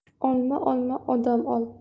olam olma odam ol